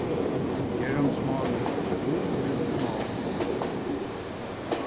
gerandismálið er bulurin í málinum